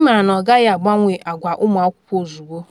‘Anyị maara na ọ gaghị agbanwe agwa ụmụ akwụkwọ ozugbo.